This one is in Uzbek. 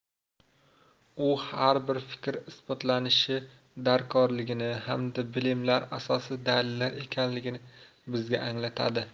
u har bir fikr isbotlanishi darkorligini hamda bilimlar asosi dalillar ekanligini bizga anglatadi